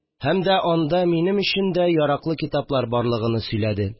Һәм дә анда минем өчен дә яраклы китаплар барлыгыны сөйләде